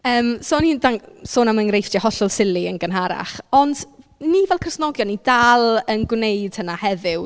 Yym so oni'n dang- sôn am enghreifftiau hollol silly yn gynharach ond ni fel Cristnogion ni dal yn gwneud hynna heddiw.